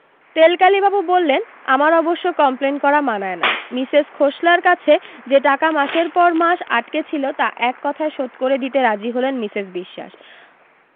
তেলকালিবাবু বললেন আমার অবশ্য কমপ্লেন করা মানায় না মিসেস খোসলার কাছে যে টাকা মাসের পর মাস আটকে ছিল তা এক কথায় শোধ করে দিতে রাজি হলেন মিসেস বিশ্বাস